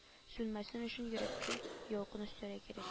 Сүнмәсен өчен йөрәккә ялкын өстәргә кирәк